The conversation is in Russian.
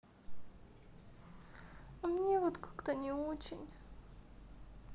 а мне вот как то не очень